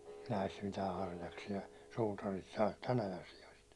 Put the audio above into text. näistä mitään harjaksia suutarit saa tämän ajan sioista